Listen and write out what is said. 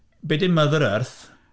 Be 'di Mother Earth?